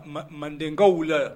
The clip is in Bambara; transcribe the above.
Mandenkaw wulila yan